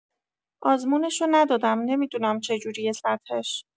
آزمونشو ندادم نمی‌دونم چجوریه سطحش